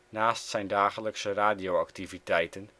Naast zijn dagelijkse radio-activiteiten